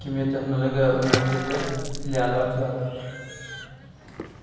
kimyo texnologiya universiteti filiali ochiladi